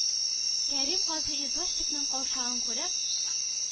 Кәрим казый, извозчикның каушавын күреп